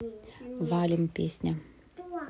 валим песня